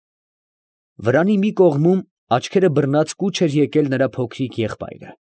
Վրանի մի կողմում, աչքերը բռնած, կուչ էր եկել նրա փոքրիկ եղբայրը։